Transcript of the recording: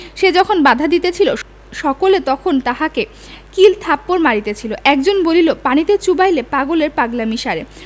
সে যখন বাধা দিতেছিল সকলে তখন তাহাকে কিল থাপ্পর মারিতেছিল একজন বলিল পানিতে চুবাইলে পাগলের পাগলামী সারে